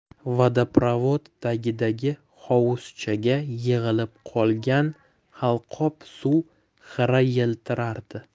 vodoprovod tagidagi hovuzchaga yig'ilib qolgan halqob suv xira yiltirardi